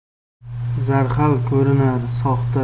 zarhal ko'rinar soxta